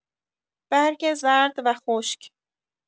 برگ زرد و خشک